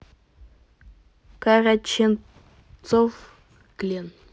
караченцов клен